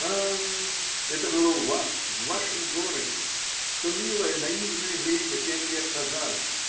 А, это было у вас, в вашем городе, в то милое наивное время пять лет назад.